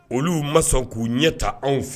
Olu ma sɔn k'u ɲɛ taa anw fɛ.